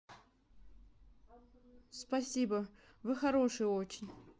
спасибо вы хороший очень